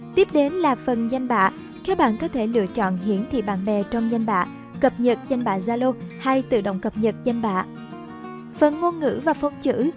tiếp đến là phần danh bạ các bạn có thể lựa chọn hiển thị bạn bè trong danh bạ cập nhật danh bạ zalo hay tự động cập nhật danh bạ phần ngôn ngữ và phông chữ